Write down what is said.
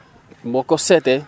boo ko seetee